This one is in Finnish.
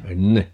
ennen